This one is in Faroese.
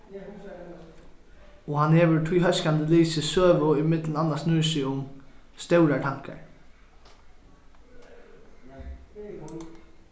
og hann hevur tí hóskandi lisið søgu ið millum annað snýr seg um stórar tankar